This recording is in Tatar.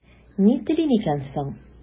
Ни телим икән соң?